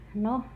no